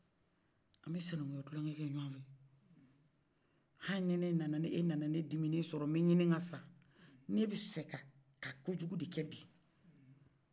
an bɛ sinankuya kulokɛ ɲɔnfɛ hali ni ne na he nana ne dimine sɔrɔ n bɛ ɲini ka sa ne bɛ fɛ ka ko jugu de kɛ bi